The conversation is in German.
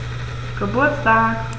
Geburtstag